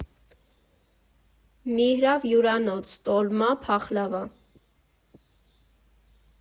Միրհավ Հյուրանոց տոլմա, փախլավա։